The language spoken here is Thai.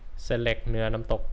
เส้นเล็กเนื้อน้ำตก